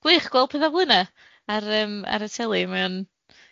gwych gweld petha fel 'yna ar yym ar y teli.